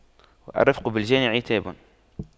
الرفق بالجاني عتاب